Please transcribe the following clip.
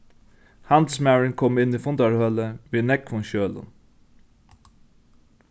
handilsmaðurin kom inn í fundarhølið við nógvum skjølum